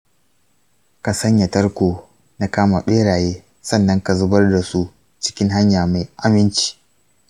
ka sanya tarko na kama beraye sannan ka zubar da su cikin hanya mai aminci.